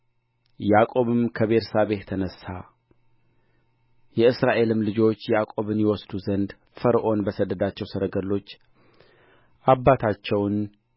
አቅፎትም ረጅም ጊዜ አለቀሰ እስራኤልም ዮሴፍን አንተ ገና በሕይወት ሳለህ ፊትህን አይቼአለሁና አሁን ልሙት አለው